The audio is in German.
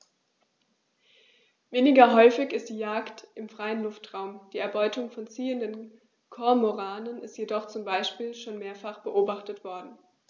Weniger häufig ist die Jagd im freien Luftraum; die Erbeutung von ziehenden Kormoranen ist jedoch zum Beispiel schon mehrfach beobachtet worden.